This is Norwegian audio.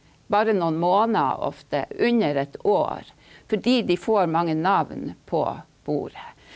bare noen måneder ofte, under et år, fordi de får mange navn på bordet.